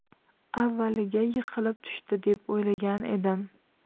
avvaliga yiqilib tushdi deb o'ylagan edim